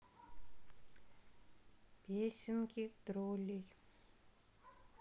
песенки троллей